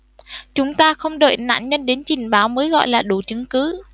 chúng ta không đợi nạn nhân đến trình báo mới gọi là đủ chứng cứ